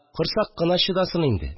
Корсак кына чыдасын инде